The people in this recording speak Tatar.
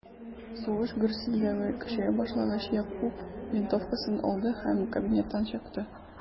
Сугыш гөрселдәве көчәя башлагач, Якуб винтовкасын алды һәм кабинеттан чыкты.